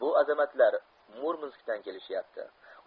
bu azamatlar murmanskdan kelishyapti